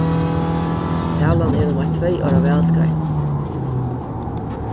talan er um eitt tvey ára valskeið